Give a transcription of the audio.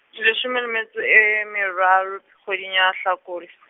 ke leshome le metse e, meraro, kgwedi ya Hlakola.